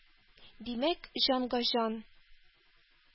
— димәк, җанга — җан?